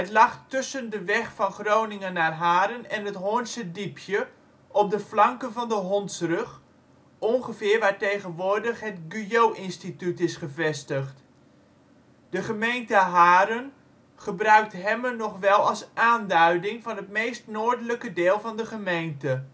lag tussen de weg van Groningen naar Haren en het Hoornse diepje, op de flanken van de Hondsrug, ongeveer waar tegenwoordig het Guyotinstituut is gevestigd. De gemeente Haren gebruikt Hemmen nog wel als aanduiding van het meest noordelijke deel van de gemeente